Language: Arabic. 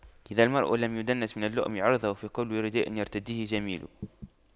إذا المرء لم يدنس من اللؤم عرضه فكل رداء يرتديه جميل